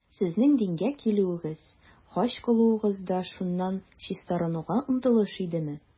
Сезнең дингә килүегез, хаҗ кылуыгыз да шуннан чистарынуга омтылыш идеме?